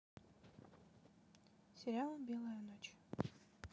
сериал белая ночь